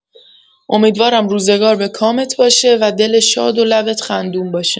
امیدوارم روزگار به کامت باشه و دل شاد و لبت خندون باشه